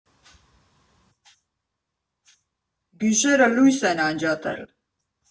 Գիշերը լույս են անջատել։